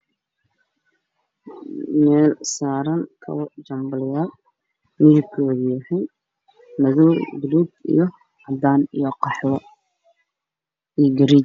Meeshaan waxaa ka muuqdo miis saaran kabo midabkoodu yahay buluug, guduud, cadaan iyo madaw,